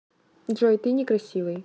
джой ты некрасивый